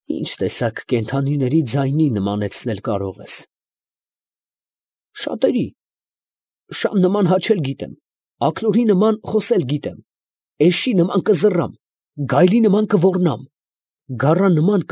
Ի՞նչ տեսակ կենդանիների ձայնին նմանեցնել կարող ես։ ֊ Շատերի. շան նման հաչել գիտեմ, աքլորի նման խոսել գիտեմ, էշի նման կզռամ, գայլի նման կոռնամ, գառան նման։